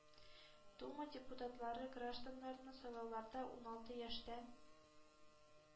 Дума депутатлары гражданнарны сайлауларда уналты яшьтән,